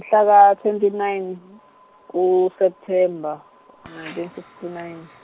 mhlaka twenty nine, u- September, nineteen sixty nine.